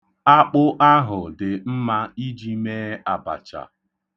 Akpụ ahụ dị mma iji mee abacha.